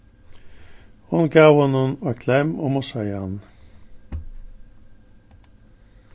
hon gav honum eitt klemm og mussaði hann